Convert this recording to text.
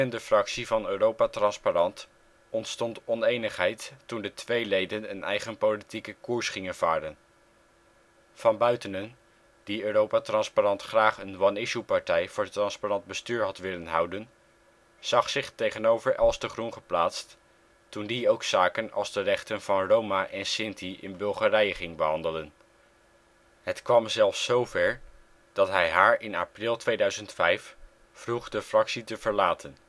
de fractie van Europa Transparant ontstond onenigheid toen de twee leden een eigen politieke koers gingen varen. Van Buitenen, die ET graag een one-issuepartij voor transparant bestuur had willen houden zag zich tegenover Els de Groen geplaatst toen die ook zaken als de rechten van Roma en Sinti in Bulgarije ging behandelen. Het kwam zelfs zover dat hij haar in april 2005 vroeg de fractie te verlaten